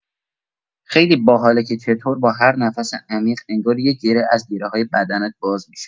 خیلی باحاله که چطور با هر نفس عمیق، انگار یه گره از گره‌های بدنت باز می‌شه.